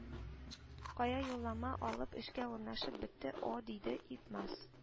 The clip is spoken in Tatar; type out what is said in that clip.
Кая юллама алып, эшкә урнашып бетте, ó диде идмас